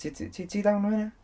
Ti, ti, ti down am hynna?